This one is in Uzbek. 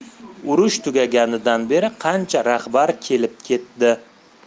urush tugaganidan beri qancha rahbar kelib ketdi